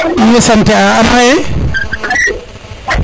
in way sante a ano ye